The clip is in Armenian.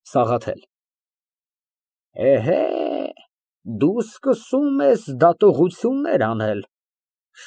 ՍԱՂԱԹԵԼ ֊ Էհե, դու սկսում ես դատողություններ անել։